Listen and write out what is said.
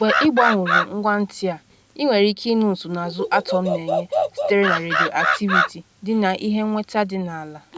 Mgbe ịgbanwuru ngwa nti a, i nwere ike ịnụ nsonazụ atọm na-enye sitere na redioaktiviti dị na ihe nnweta dị n’ala.”